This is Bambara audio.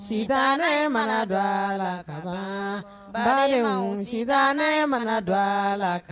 chant Si bannen mana don a la ka ban, balimanw si bannen mana don a